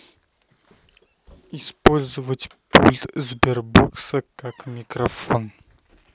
использовать пульт сбербокса как микрофон